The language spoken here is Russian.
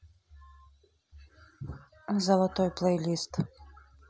золотой плейлист